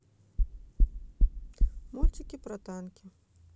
мультики про танки